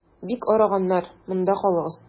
Бик арыганнар, монда калыгыз.